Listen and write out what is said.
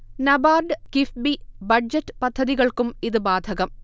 NABARD, KIIFB, budget പദ്ധതികൾക്കും ഇത് ബാധകം